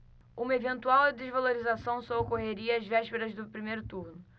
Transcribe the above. uma eventual desvalorização só ocorreria às vésperas do primeiro turno